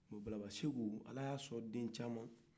o balaba siku ala y'a sɔ den caaman na